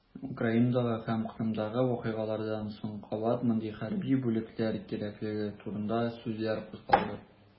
Украинадагы һәм Кырымдагы вакыйгалардан соң кабат мондый хәрби бүлекләр кирәклеге турында сүзләр кузгалды.